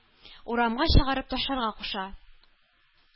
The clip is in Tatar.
Урамга чыгарып ташларга куша.